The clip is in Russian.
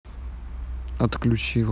отключила